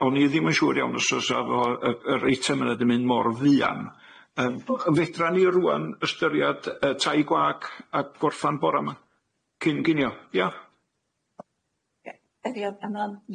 o'n i ddim yn siŵr iawn os fysa fo yy yr eitem yna di myn' mor fuan yym yy fedran ni rŵan ystyriad y tai gwag a gorffan bora ma' cyn cinio ia?